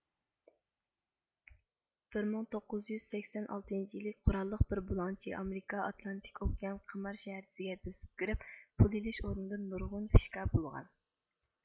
بىر مىڭ توققۇز يۈز سەكسەن ئالتىنچى يىلى قوراللىق بىر بۇلاڭچى ئامېرىكا ئاتلانتىك ئوكيان قىمار شەھەرچىسىگە بۆسۈپ كىرىپ پۇل ئېلىش ئورنىدىن نۇرغۇن فىشكا بۇلىغان